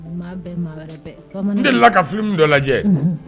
Moma bɛ maa wɛrɛ bɛ baman n delila ka film dɔ lajɛ unhun